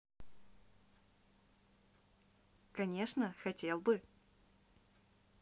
конечно хотел бы